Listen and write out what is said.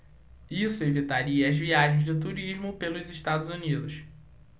isso evitaria as viagens de turismo pelos estados unidos